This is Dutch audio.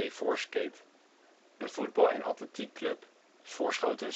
Forescate), een voetbal - en atletiekclub (Voorschoten